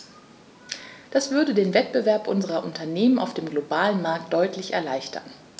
Das würde den Wettbewerb unserer Unternehmen auf dem globalen Markt deutlich erleichtern.